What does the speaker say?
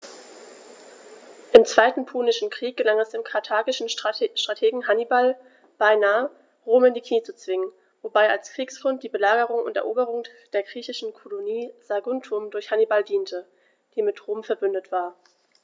Im Zweiten Punischen Krieg gelang es dem karthagischen Strategen Hannibal beinahe, Rom in die Knie zu zwingen, wobei als Kriegsgrund die Belagerung und Eroberung der griechischen Kolonie Saguntum durch Hannibal diente, die mit Rom „verbündet“ war.